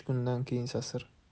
kundan keyin sasir